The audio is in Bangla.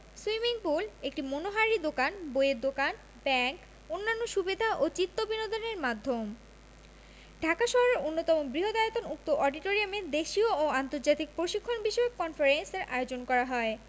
সুইমিং পুল একটি মনোহারী দোকান বইয়ের দোকান ব্যাংক অন্যান্য সুবিধা ও চিত্তবিনোদনের মাধ্যম ঢাকা শহরের অন্যতম বৃহদায়তন উক্ত অডিটোরিয়ামে দেশীয় ও আন্তর্জাতিক প্রশিক্ষণ বিষয়ক কনফারেন্সের আয়োজন করা হয়